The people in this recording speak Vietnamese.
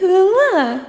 thương quá à